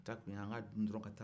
a ta tun y'an ka dun dɔrɔn ka taa